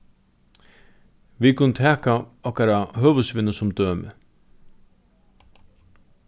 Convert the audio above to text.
vit kunnu taka okkara høvuðsvinnu sum dømi